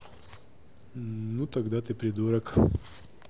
ну тогда ты придурок